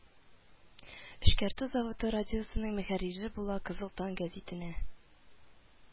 Эшкәртү заводы радиосының мөхәррире була, кызыл таң гәзитенә